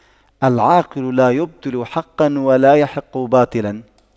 العاقل لا يبطل حقا ولا يحق باطلا